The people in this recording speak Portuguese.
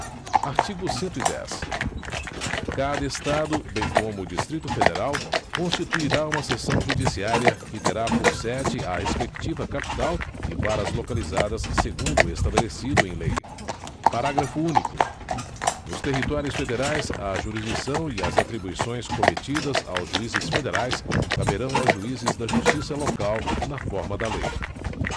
artigo cento e dez cada estado bem como o distrito federal constituirá uma seção judiciária que terá por sede a respectiva capital e varas localizadas segundo o estabelecido em lei parágrafo único nos territórios federais a jurisdição e as atribuições cometidas aos juízes federais caberão aos juízes da justiça local na forma da lei